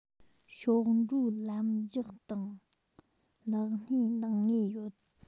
ཕྱོགས འགྲོའི ལམ རྒྱགས དང ལག སྣེ འདང ངེས ཡོད